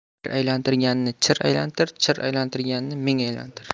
bir aylantirganni chir aylantir chir aylantirganni ming aylantir